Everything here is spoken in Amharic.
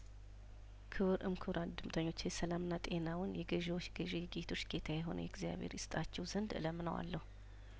ክቡር እም ክቡራን እድምተኞቼ ሰላምና ጤናውን የገዢዎች ገዢ የጌቶች ጌታ የሆነው እግዚአብሄር ይስ ጣችሁ ዘንድ እለምነ ዋለሁ